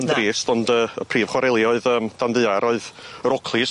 Na. Yn drist ond yy y prif chwareli oedd yym dan ddaear oedd yy Roclys.